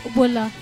Bɛ la